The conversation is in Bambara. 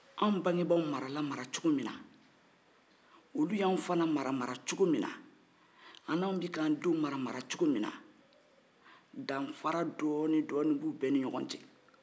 an bangebaaw marala maracogo mina olu y'an fana mara maracogo mina ani an bɛ ka denw mara maracogo mina danfara dɔɔni dɔɔni b'u bɛ ni ɲɔgɔ cɛ